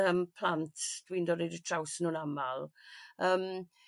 Yym plant dwi'n dorri 'r 'u raws nhw'n amal yym